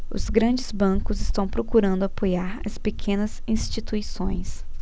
os grandes bancos estão procurando apoiar as pequenas instituições